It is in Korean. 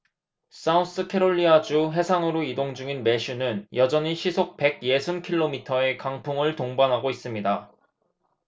사우스캐롤리아 주 해상으로 이동 중인 매슈는 여전히 시속 백 예순 킬로미터의 강풍을 동반하고 있습니다